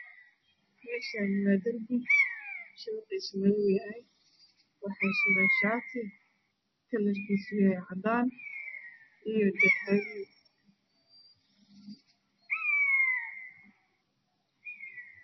Meeshaan waa darbi shabaqiisa madow yahay waxaa suran shaati kalarkiisu yahay cadaan iyo dahabi.